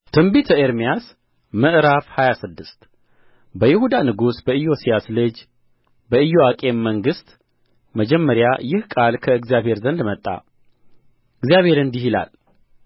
ትንቢተ ኤርምያስ ምዕራፍ ሃያ ስድስት በይሁዳ ንጉሥ በኢዮስያስ ልጅ በኢዮአቄም መንግሥት መጀመሪያ ይህ ቃል ከእግዚአብሔር ዘንድ መጣ እግዚአብሔር እንዲህ ይላል